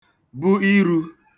bu irū